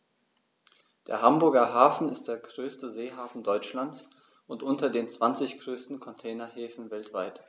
Der Hamburger Hafen ist der größte Seehafen Deutschlands und unter den zwanzig größten Containerhäfen weltweit.